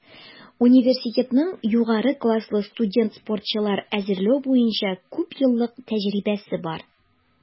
Университетның югары класслы студент-спортчылар әзерләү буенча күпьеллык тәҗрибәсе бар.